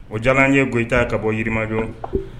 O diyara ye gta ka bɔ yirimajɔ